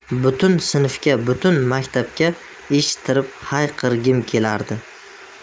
butun sinfga butun maktabga eshittirib hayqirgim kelardi